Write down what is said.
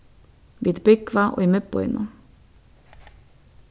vit búgva í miðbýnum